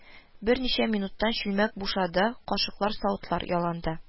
Берничә минуттан чүлмәк бушады, кашыклар, савытлар яланды